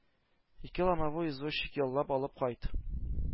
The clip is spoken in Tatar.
Ике ломовой извозчик яллап алып кайт!